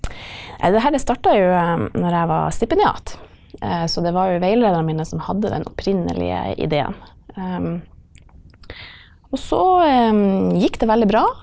nei det her det starta jo når jeg var stipendiat så det var jo veilederne mine som hadde den opprinnelige ideen og så gikk det veldig bra.